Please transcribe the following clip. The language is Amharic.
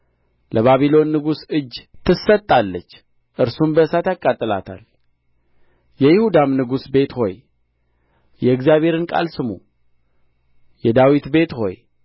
ለባቢሎን ንጉሥ እጅ ትሰጣለች እርሱም በእሳት ያቃጥላታል የይሁዳ ንጉሥ ቤት ሆይ የእግዚአብሔርን ቃል ስሙ የዳዊት ቤት ሆይ